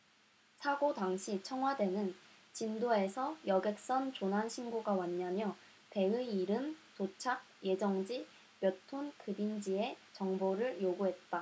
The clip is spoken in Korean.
사고 당시 청와대는 진도에서 여객선 조난신고가 왔냐며 배의 이름 도착 예정지 몇 톤 급인지에 정보를 요구했다